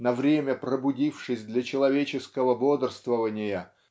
на время пробудившись для человеческого бодрствования